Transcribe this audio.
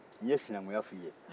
n ye senenkunya f'i ye